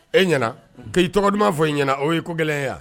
E ɲɛna k'i tɔgɔ duman fɔ i ɲɛna o ye ko gɛlɛn ye wa?